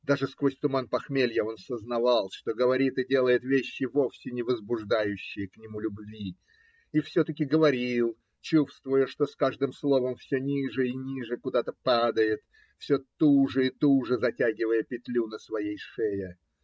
Даже сквозь туман похмелья он сознавал, что говорит и делает вещи, вовсе не возбуждающие к нему любви, и все-таки говорил, чувствуя, что с каждым словом все ниже и ниже куда-то падает, все туже и туже затягивая петлю на своей шее.